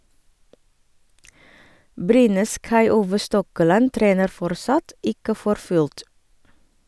Brynes Kai-Ove Stokkeland trener fortsatt ikke for fullt.